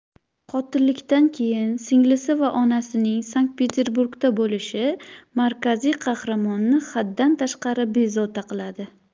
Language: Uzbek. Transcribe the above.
qotillikdan keyin singlisi va onasining sankt peterburgda bo'lishi markaziy qahramonni haddan tashqari bezovta qiladi